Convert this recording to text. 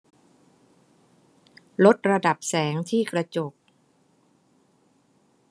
ลดระดับแสงที่กระจก